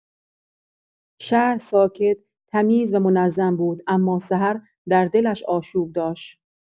شهر ساکت، تمیز و منظم بود، اما سحر در دلش آشوب داشت.